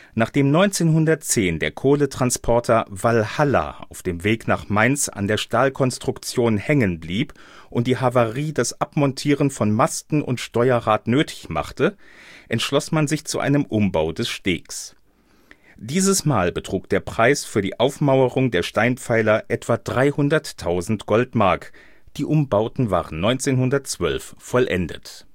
Nachdem 1910 der Kohlentransporter Walhalla auf dem Weg nach Mainz an der Stahlkonstruktion hängen blieb und die Havarie das Abmontieren von Masten und Steuerrad nötig machte, entschloss man sich zu einem Umbau des Stegs. Dieses Mal betrug der Preis für die Aufmauerung der Steinpfeiler etwa 300.000 Goldmark, die Umbauten waren 1912 vollendet